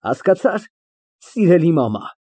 Հասկացա՞ր, սիրելի մամա։